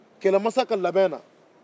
kɛlɛmasa ka labɛn na